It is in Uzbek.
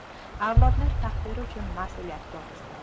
avlodlar taqdiri uchun mas'uliyati to'g'risida